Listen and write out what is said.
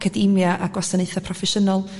academia a gwasanaetha proffesiynol